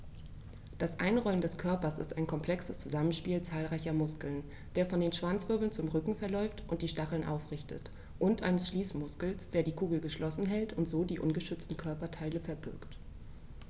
Das Einrollen des Körpers ist ein komplexes Zusammenspiel zahlreicher Muskeln, der von den Schwanzwirbeln zum Rücken verläuft und die Stacheln aufrichtet, und eines Schließmuskels, der die Kugel geschlossen hält und so die ungeschützten Körperteile verbirgt.